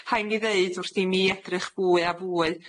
'Hai' mi ddeud wrth i mi edrych fwy a fwy